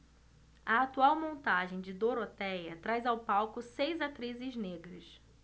a atual montagem de dorotéia traz ao palco seis atrizes negras